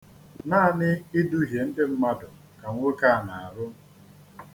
Naanị iduhie ndị mmadụ ka nwoke a na-arụ.